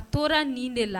A tora nin de la